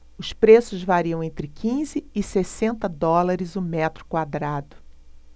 os preços variam entre quinze e sessenta dólares o metro quadrado